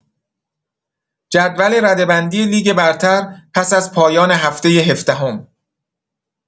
جدول رده‌بندی لیگ برتر پس‌از پایان هفته هفدهم